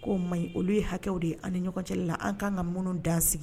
Koo maa ɲi olu ye hakɛw de an ni ɲɔgɔncɛ la an ka kan ka mun dan sigi